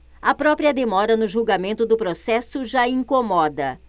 a própria demora no julgamento do processo já incomoda